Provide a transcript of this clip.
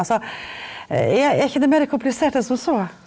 altså er er ikke det mere komplisert enn som så?